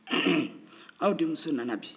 aw denmuso nana bi